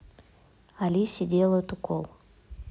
алисе делают укол